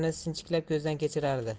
birini sinchiklab ko'zdan kechiradi